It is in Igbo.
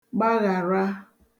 gbaghàra